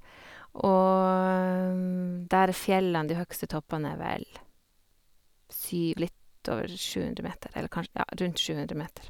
Og der er fjellene, de høyeste toppene er vel syv litt over sju hundre meter, eller kanskje, ja, rundt sju hundre meter.